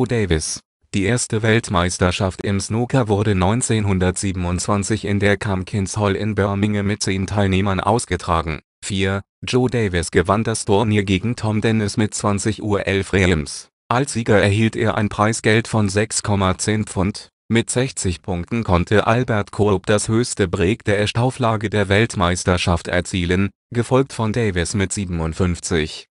Die erste Weltmeisterschaft im Snooker wurde 1927 in der Camkin’ s Hall in Birmingham mit 10 Teilnehmern ausgetragen. Joe Davis gewann das Turnier gegen Tom Dennis mit 20:11 Frames. Als Sieger erhielt er ein Preisgeld von 6,10 £. Mit 60 Punkten konnte Albert Cope das höchste Break der Erstauflage der Weltmeisterschaft erzielen, gefolgt von Davis mit 57.